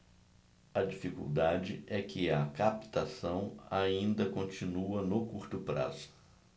a dificuldade é que a captação ainda continua no curto prazo